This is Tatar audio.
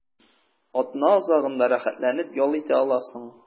Атна азагында рәхәтләнеп ял итә аласың.